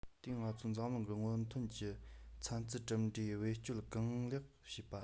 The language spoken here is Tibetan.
དེས ང ཚོས འཛམ གླིང གི སྔོན ཐོན གྱི ཚན རྩལ གྲུབ འབྲས བེད སྤྱོད གང ལེགས བྱེད པ